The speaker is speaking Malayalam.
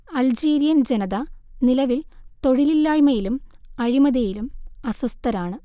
അൾജീരിയൻ ജനത നിലവിൽ തൊഴിലില്ലായ്മയിലും അഴിമതിയിലും അസ്വസ്ഥരാണ്